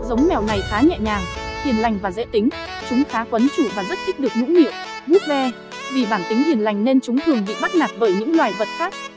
giống mèo này khá nhẹ nhàng hiền lành và dễ tính chúng khá quấn chủ và rất thích được nũng nịu vuốt ve vì bản tính hiền lành nên chúng thường bị bắt nạt bởi những loài vật khác